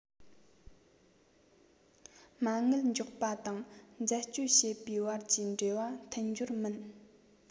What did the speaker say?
མ དངུལ འཇོག པ དང འཛད སྤྱོད བྱེད པའི བར གྱི འབྲེལ བ མཐུན སྦྱོར མིན